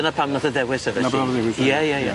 Dyna pam nath e ddewis e felly. Ie ie ie.